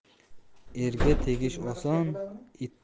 erga tegish oson